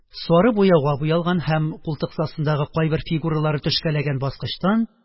Сары буяуга буялган һәм култыксасындагы кайбер фигуралары төшкәләгән баскычтан